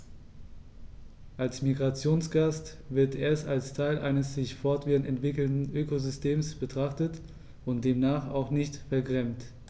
Als Migrationsgast wird er als Teil eines sich fortwährend entwickelnden Ökosystems betrachtet und demnach auch nicht vergrämt.